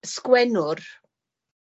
y sgwennwr